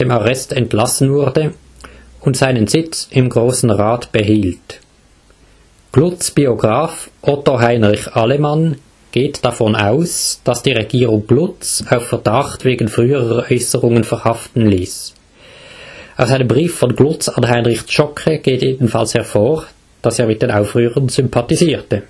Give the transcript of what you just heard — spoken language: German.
Arrest entlassen wurde und seinen Sitz im Grossen Rat behielt. Glutz ' Biograph Otto Heinrich Allemann geht davon aus, dass die Regierung Glutz auf Verdacht wegen früherer Äusserungen verhaften liess. Aus einem Brief von Glutz an Heinrich Zschokke geht jedenfalls hervor, dass er mit den Aufrührern sympathisierte